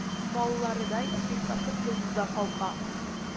Малларыдай, бихсасып йолдызлар калка